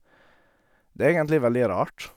Det er egentlig veldig rart.